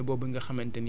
te moo gën a sell